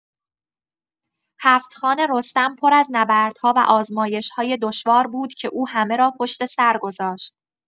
هفت‌خوان رستم پر از نبردها و آزمایش‌های دشوار بود که او همه را پشت‌سر گذاشت.